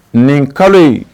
Nin kalo